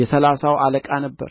የሠላሳው አለቃ ነበረ